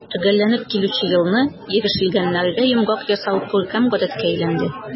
Төгәлләнеп килүче елны ирешелгәннәргә йомгак ясау күркәм гадәткә әйләнде.